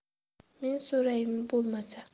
men so'raymi bo'lmasa